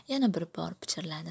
yana bir bor pichirladi